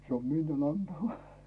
se on miniän antama